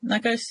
Nag oes?